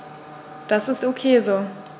Das ist ok so.